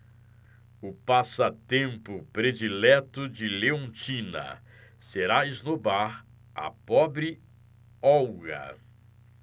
o passatempo predileto de leontina será esnobar a pobre olga